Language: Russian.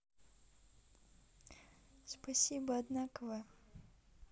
спасибо однаковая